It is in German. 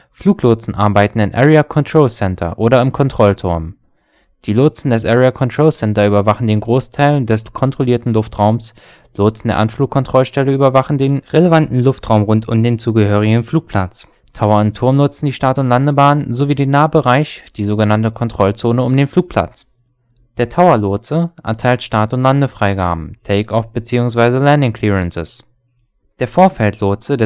Fluglotsen arbeiten im Area Control Center oder im Kontrollturm: Die Lotsen des Area Control Center überwachen einen Großteil des kontrollierten Luftraums, Lotsen der Anflugkontrollstelle überwachen den relevanten Luftraum rund um den zugehörigen Flugplatz, Tower - oder Turmlotsen die Start - und Landebahnen sowie den Nahbereich (Kontrollzone) um den Flugplatz. Der Tower-Lotse erteilt Start - und Landefreigaben (Takeoff bzw. Landing Clearances). Der Vorfeldlotse